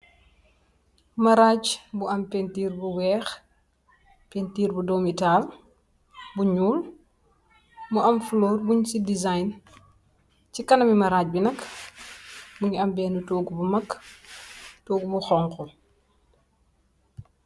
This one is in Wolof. Marrage bou am pentir bou weck pentir bou domi tahal bou nyull mou am follor bounge ci design chi kanam mi marrarge bi nak mougui am togou bou mag bou konku